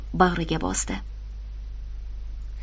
bag'riga bosdi